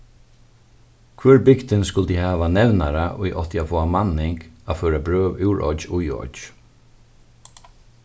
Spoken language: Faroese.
hvør bygdin skuldi hava nevnara ið átti at fáa manning at føra brøv úr oyggj í oyggj